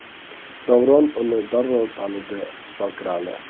davron uni darrov tanidi zokirali